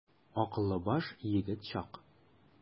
Акыллы баш, егет чак.